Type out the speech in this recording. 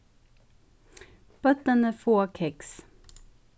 børnini fáa keks